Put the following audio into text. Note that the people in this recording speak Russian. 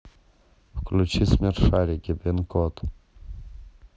включи смешарики пин код